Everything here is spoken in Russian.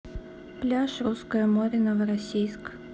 пляж русское море новороссийск